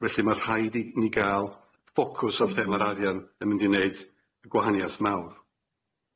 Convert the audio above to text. Felly ma' rhaid i ni ga'l ffocws o lle ma'r arian yn mynd i neud y gwahanieth mawr.